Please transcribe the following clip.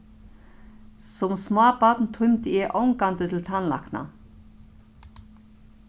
sum smábarn tímdi eg ongantíð til tannlækna